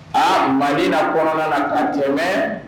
A ma na kɔnɔna la k'a tɛmɛ